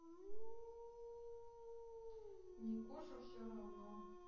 никоша все равно